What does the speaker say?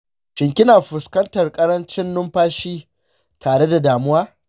shin kina fuskantar ƙarancin numfashi tare da damuwa?